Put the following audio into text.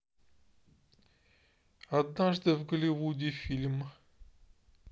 однажды в голливуде фильм